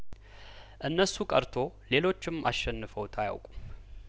እነሱ ቀርቶ ሌሎችም አሸንፈውት አያውቁም